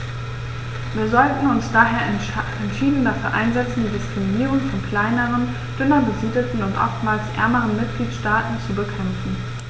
Wir sollten uns daher entschieden dafür einsetzen, die Diskriminierung von kleineren, dünner besiedelten und oftmals ärmeren Mitgliedstaaten zu bekämpfen.